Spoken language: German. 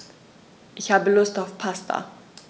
Ich habe Lust auf Pasta.